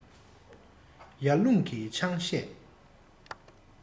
ཡར ཀླུང གིས ཆང གཞས